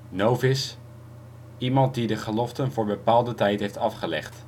Novice: iemand die de geloften voor bepaalde tijd heeft afgelegd